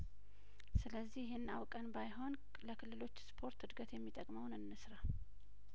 ስለዚህ ይህን አውቀን ባይሆን ስለ ክልሎች ስፖርት እድገት የሚጠቅመውን እንስራ